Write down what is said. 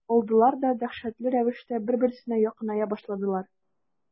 Алдылар да дәһшәтле рәвештә бер-берсенә якыная башладылар.